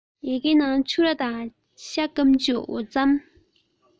ཡི གེའི ནང ཕྱུར ར དང ཤ སྐམ འོ ཕྱེ